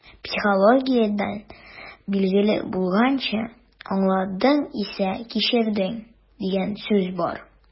Психологиядән билгеле булганча, «аңладың исә - кичердең» дигән сүз бар.